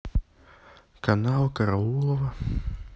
канал караулова